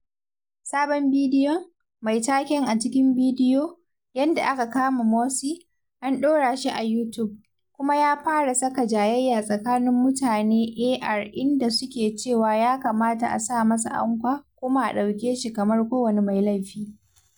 Sabon bidiyon, mai taken “A Cikin Bidiyo, Yanda Aka Kama Morsi”, an ɗora shi a YouTube, kuma ya fara saka jayayya tsakanin mutane [ar] inda suke cewa “ya kamata a sa masa ankwa” kuma “a ɗauke shi kamar kowane mai laifi .”